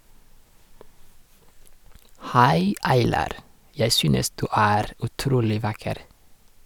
Hei Aylar, jeg synes du er utrolig vakker!